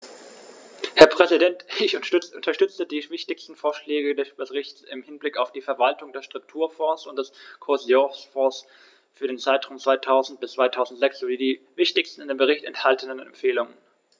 Herr Präsident, ich unterstütze die wichtigsten Vorschläge des Berichts im Hinblick auf die Verwaltung der Strukturfonds und des Kohäsionsfonds für den Zeitraum 2000-2006 sowie die wichtigsten in dem Bericht enthaltenen Empfehlungen.